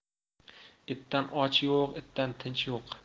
itdan och yo'q itdan tinch yo'q